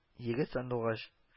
Егет сандугач